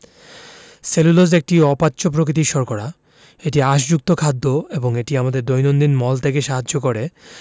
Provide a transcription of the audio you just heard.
cellulose একটি অপাচ্য প্রকৃতির শর্করা এটি আঁশযুক্ত খাদ্য এবং এটি আমাদের দৈনন্দিন মল ত্যাগে সাহায্য করে